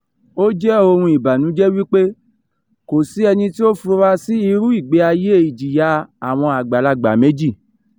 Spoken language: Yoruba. Ó jẹ́ ohun ìbànújẹ́ wípé kò sí ẹni tí ó fura sí irú ìgbé ayé ìjìyà àwọn àgbàlagbà méjì.